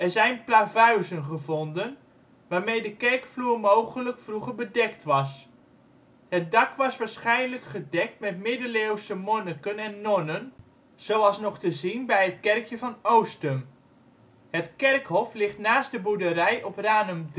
zijn plavuizen gevonden, waarmee de kerkvloer mogelijk vroeger bedekt was. Het dak was waarschijnlijk gedekt met middeleeuwse monniken en nonnen, zoals nog te zien bij het kerkje van Oostum. Het kerkhof ligt naast de boerderij op Ranum